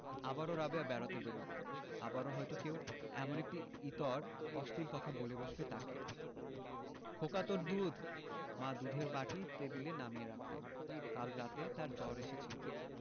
আবারও রাবেয়া বেড়াতে বেরুবে আবারো হয়তো কেউ এমনি একটি ইতর অশ্লীল কথা বলে বসবে তাকে খোকা তোর দুধ মা দুধের বাটি টেবিলে নামিয়ে রাখলেন কাল রাতে তার জ্বর এসেছিল